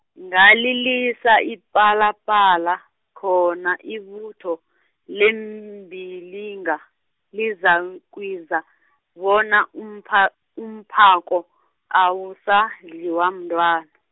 ngalilisa ipalapala, khona ibutho leembiliga, lizakwizwa bona umpha- umphako, awusadliwa mntwana.